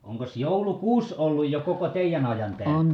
onkos joulukuusi ollut jo koko teidän ajan täällä